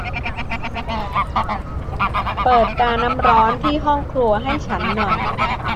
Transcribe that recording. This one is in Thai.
เปิดกาน้ำร้อนที่ห้องครัวให้ฉันหน่อย